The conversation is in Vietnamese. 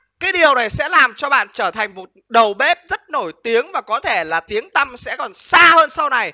cái điều này sẽ làm cho bạn trở thành một đầu bếp rất nổi tiếng và có thể là tiếng tăm sẽ còn xa hơn sau này